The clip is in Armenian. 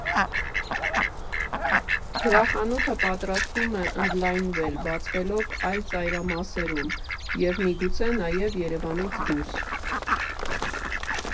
Գրախանութը պատրաստվում է ընդլայնվել, բացվելով այլ ծայրամասերում և, միգուցե, նաև Երևանից դուրս։